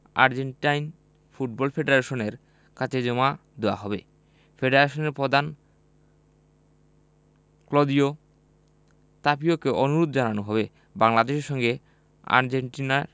Argentine football ফেডারেশনের কাছে তা জমা দেওয়া হবে ফেডারেশনের প্রধান ক্লদিও তাপিয়াকে অনুরোধ জানানো হবে বাংলাদেশের সঙ্গে আর্জেন্টিনার